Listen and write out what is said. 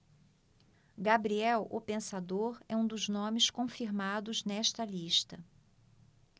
gabriel o pensador é um dos nomes confirmados nesta lista